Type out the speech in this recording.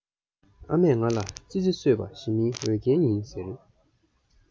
ཨ མས ང ལ ཙི ཙི གསོད པ ཞི མིའི འོས འགན ཡིན ཟེར